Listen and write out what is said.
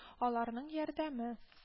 Аларның ярдәме